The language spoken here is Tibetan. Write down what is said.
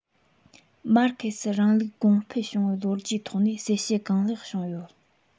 མར ཁེ སིའི རིང ལུགས གོང འཕེལ བྱུང བའི ལོ རྒྱུས ཐོག ནས གསལ བཤད གང ལེགས བྱུང ཡོད